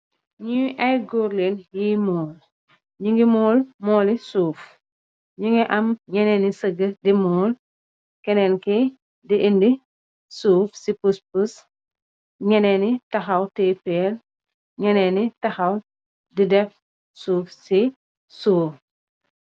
Ñii ay gór lèèn yi mool, ñgi mool mooli suuf, ñi ñgi am yenen yi sagg di mool kennen ki di endey suuf ci puss puss ñenen ñi taxaw teyeh péél, ñenen yi taxaw di def suuf ci siwo bi.